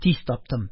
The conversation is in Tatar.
Тиз таптым.